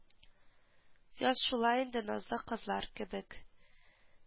Яз шулай инде назлы кызлар кебек